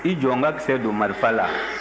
i jɔ ne ka kisɛ don marifa la